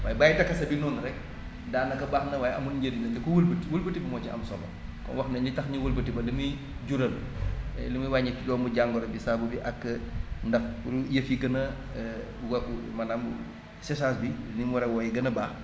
waaye bàyyi dakase bi noonu rekk daanaka baax na waaye amul njëriñ nag di ko wëlbati wëlbati bi moo ci am solo comme wax nañ li tax ñu wëlbati ko li muy jural li muy wàññi ci doomu jangoro bi saabu bi ak ndax pour yëf yi gën a wo maanaam séchage bi ni mu war a wowee gën a baax